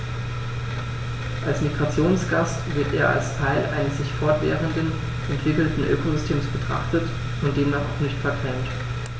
Als Migrationsgast wird er als Teil eines sich fortwährend entwickelnden Ökosystems betrachtet und demnach auch nicht vergrämt.